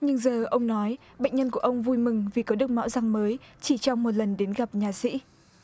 nhưng giờ ông nói bệnh nhân của ông vui mừng vì có được mẫu răng mới chỉ trong một lần đến gặp nha sĩ